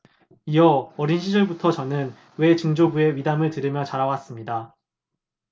이어 어린 시절부터 저는 외증조부의 미담을 들으며 자라왔습니다